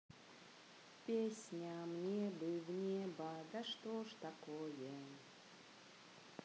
песня мне бы в небо да что ж такое